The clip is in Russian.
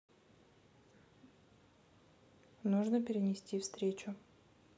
нужно перенести встречу